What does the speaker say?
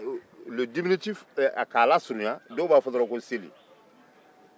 walasa k'a lasurunya dɔw b'a fɔ dɔrɔn ko seli